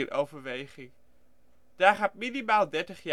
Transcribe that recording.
overweging; Daar gaat minimaal dertig